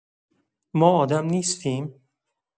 ما آدم نیستیم؟